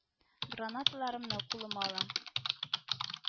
Гранаталарымны кулыма алам